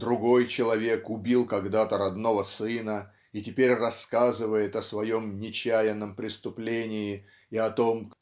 другой человек убил когда-то родного сына и теперь рассказывает о своем нечаянном преступлении и о том